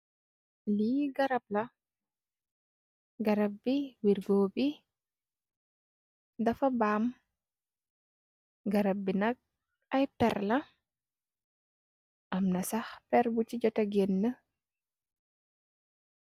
Li garap la, garap bi wirgo bi dafa baam, garap bi nak ay péér la, am na sax péér bu ci jotta gèna.